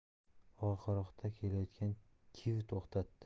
orqaroqda kelayotgan kiv to'xtadi